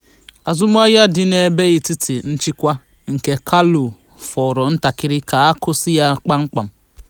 Azụmahịa dị n'ebe etiti nchịkwa nke Kalou fọrọ ntakịrị ka a kwụsị ya kpamkpam.